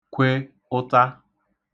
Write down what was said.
kwe ụta